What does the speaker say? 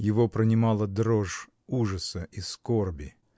Его пронимала дрожь ужаса и скорби.